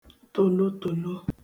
tòlotòlo